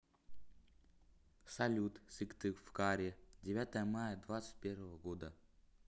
салют сыктывкаре девятое мая двадцать первого года